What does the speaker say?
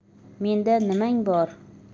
menda nimang bor